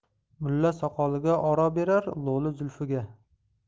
mulla soqoliga oro berar lo'li zulfiga